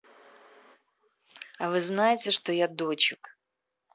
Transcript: а вы знаете что я дочек